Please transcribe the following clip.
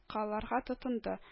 Каларга тотынды